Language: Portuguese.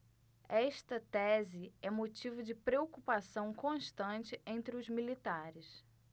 esta tese é motivo de preocupação constante entre os militares